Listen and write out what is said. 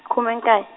khume nkaye.